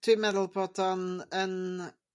Dwi'n meddwl bod o'n yn